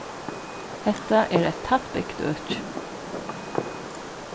hetta er eitt tætt bygt øki